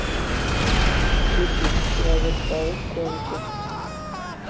ютуб человек паук гонки